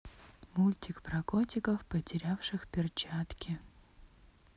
мультик про котиков потерявших перчатки